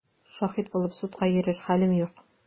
Шаһит булып судка йөрер хәлем юк!